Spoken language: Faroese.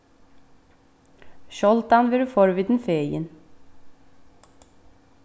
sjáldan verður forvitin fegin